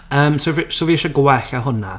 Ym, so f- so fi isie gwella hwnna.